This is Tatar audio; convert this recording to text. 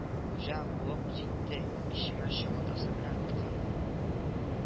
Хуҗа куып җитте, эчемә чабатасы белән тыгын